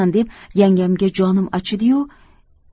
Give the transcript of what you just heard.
deb yangamga jonim achidi yu